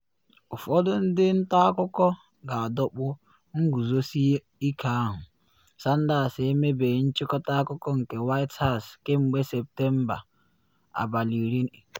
Ụfọdụ ndi nta akụkọ ga-adọkpụ ngozusike ahụ: Sanders emebeghị nchịkọta akụkọ nke White House kemgbe Septemba 10.